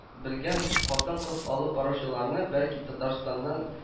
Белгән хатын-кыз алып баручыларны бәлки татарстаннан